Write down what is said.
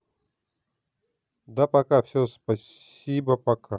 да пока все спасибо пока